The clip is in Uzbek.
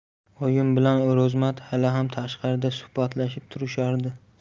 oyim bilan o'rozmat hali ham tashqarida suhbatlashib turishardi